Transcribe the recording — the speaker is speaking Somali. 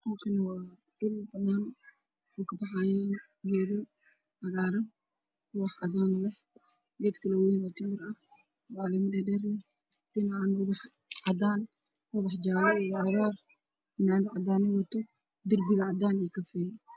Meeshaan waa meel maqaayad oo qurux badan waxaa ka hor baxaya geedo timir iyo geeda cagaarana fara badan